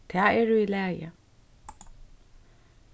tað er í lagi